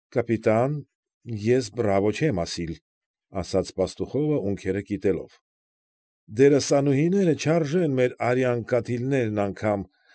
Կապիտան, ես բրավո չեմ ասիլ,֊ ասաց Պաստուխովը, ունքերը կիտելով, դերասանուհիները չարժեն մեր արյան կաթիլներն անգամ։